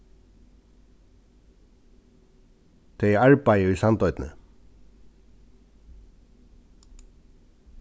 tey arbeiða í sandoynni